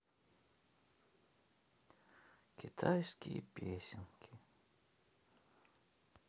китайские песенки